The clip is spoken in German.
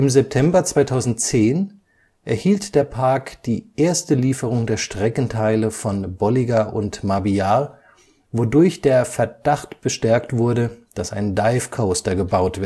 September 2010 erhielt der Park die erste Lieferung der Streckenteile von Bolliger & Mabillard, wodurch der Verdacht bestärkt wurde, dass ein Dive Coaster gebaut